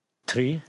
Tri.